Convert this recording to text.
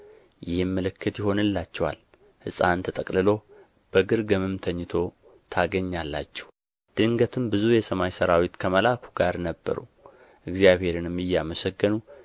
ይህም ምልክት ይሆንላችኋል ሕፃን ተጠቅልሎ በግርግምም ተኝቶ ታገኛላችሁ ድንገትም ብዙ የሰማይ ሠራዊት ከመልአኩ ጋር ነበሩ እግዚአብሔርንም እያመሰገኑ